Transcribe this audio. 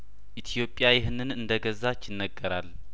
ኢትዮጵያ ይህንን እንደገዛች ይነገራል